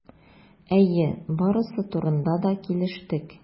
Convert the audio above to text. Әйе, барысы турында да килештек.